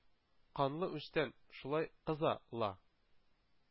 Канлы үчтән шулай кыза ла!